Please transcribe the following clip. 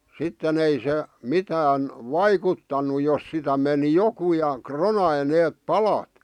sitten ei se mitään vaikuttanut jos sitä meni joku ja ronasi ne palat